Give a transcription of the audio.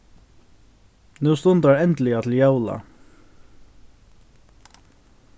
nú stundar endiliga til jóla